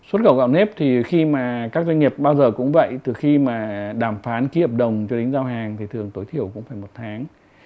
xuất khẩu gạo nếp thì khi mà các doanh nghiệp bao giờ cũng vậy từ khi mà đàm phán ký hợp đồng rồi đến giao hàng thì thường tối thiểu cũng phải một tháng